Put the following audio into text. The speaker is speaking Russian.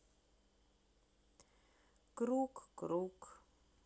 круг круг